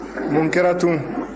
mun kɛra tun